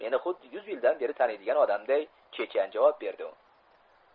meni xuddi yuz yildan beri taniydigan odamday chechan javob berdi u